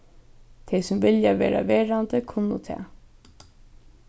tey sum vilja verða verandi kunnu tað